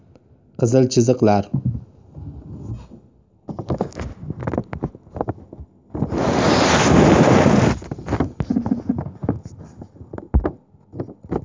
qizil chiziqlar